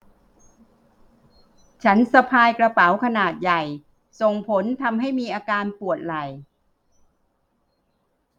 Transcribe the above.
ฉันสะพายกระเป๋าขนาดใหญ่ส่งผลทำให้มีอาการปวดไหล่